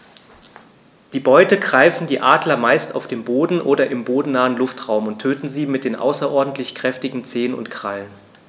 Die Beute greifen die Adler meist auf dem Boden oder im bodennahen Luftraum und töten sie mit den außerordentlich kräftigen Zehen und Krallen.